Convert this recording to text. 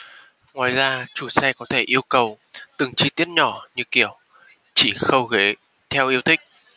ngoài ra chủ xe có thể yêu cầu từng chi tiết nhỏ như kiểu chỉ khâu ghế theo ý thích